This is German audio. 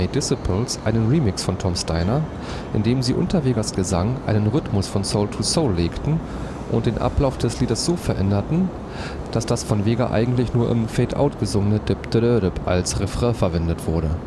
Disciples) einen Remix von Tom’ s Diner, indem sie unter Vegas Gesang einen Rhythmus von Soul II Soul legten und den Ablauf des Liedes so veränderten, dass das von Vega eigentlich nur im Fadeout gesungene „ Dep De Dö Dep “als Refrain verwendet wurde